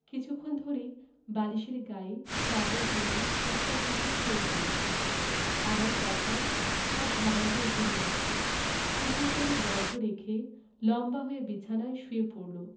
কিছুক্ষণ ধরেই বালিশের গায়ে চাদর জড়িয়ে সে একটা পুতুল তৈরি করছিলো আমার কথায় তার ভাবান্তর হলো না পুতুল তৈরী বন্ধ রেখে লম্বা হয়ে বিছানায় শুয়ে পড়লো